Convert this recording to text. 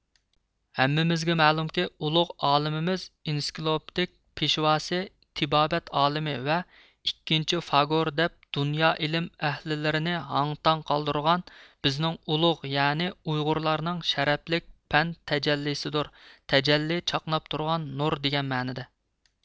ھەممىمىزگە مەلۇمكى ئۇلۇغ ئالىمىز ئىنسىكلوپدىك پېشۋاسى تىبابەت ئالىمى ۋە ئىككىنچى فاگۇر دەپ دۇنيا ئىلىم ئەھلىلىرىنى ھاڭ تاڭ قالدۇرغان بىزنىڭ ئۇلۇغ يەنى ئۇيغۇرلارنىڭ شەرەپلىك پەن تەجەللىسىدۇر تەجەللى چاقناپ تۇرغان نۇر دىگەن مەنىدە